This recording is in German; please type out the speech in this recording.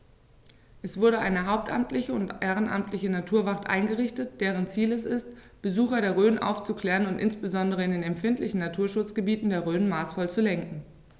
Es wurde eine hauptamtliche und ehrenamtliche Naturwacht eingerichtet, deren Ziel es ist, Besucher der Rhön aufzuklären und insbesondere in den empfindlichen Naturschutzgebieten der Rhön maßvoll zu lenken.